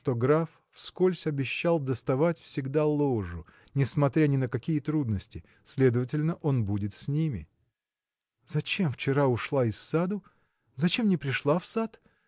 что граф вскользь обещал доставать всегда ложу несмотря ни на какие трудности следовательно, он будет с ними. Зачем вчера ушла из саду? зачем не пришла в сад?